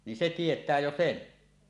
niin se tietää jo sen